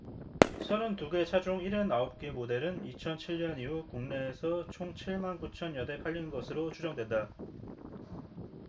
서른 두 개 차종 일흔 아홉 개 모델은 이천 칠 년 이후 국내에서 총 칠 만 구천 여대 팔린 것으로 추정된다